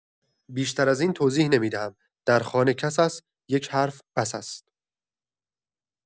بیشتر از این توضیح نمی‌دهم، در خانه کس است، یک حرف بس است.